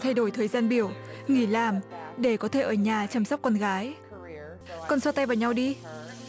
thay đổi thời gian biểu nghỉ làm để có thể ở nhà chăm sóc con gái con giơ tay vào nhau đi